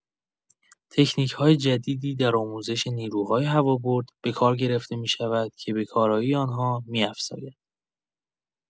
تکنیک‌های جدیدی در آموزش نیروهای هوابرد به کار گرفته می‌شود که به کارایی آن‌ها می‌افزاید.